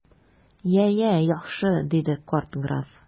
Я, я, яхшы! - диде карт граф.